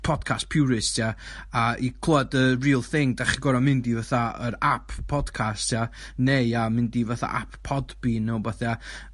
podcast purist ia a i clŵad y real thing 'dach chi gor'o' mynd i fatha yr ap Podcast ia? neu a mynd i fatha ap Podbean ne' wbath ia?